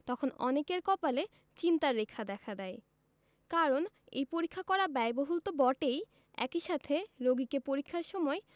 তখন অনেকের কপালে চিন্তার রেখা দেখা দেয় কারণ এই পরীক্ষা করা ব্যয়বহুল তো বটেই একই সাথে রোগীকে পরীক্ষার সময়